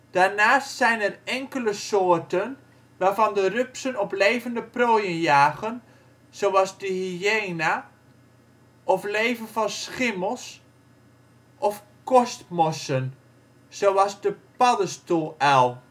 Daarnaast zijn er enkele soorten waarvan de rupsen op levende prooien jagen, zoals de hyena, of leven van schimmels of korstmossen, zoals de paddenstoeluil